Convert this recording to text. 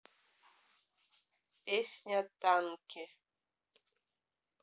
песня танки